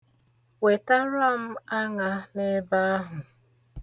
Wetara aṅa n'ebe ahụ.